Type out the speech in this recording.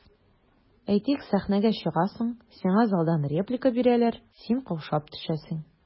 Әйтик, сәхнәгә чыгасың, сиңа залдан реплика бирәләр, син каушап төшәсең.